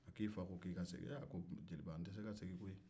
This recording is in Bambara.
k'i fa ko k'i ka segin ɛ a ko jeliba n tɛ se ka segin koyi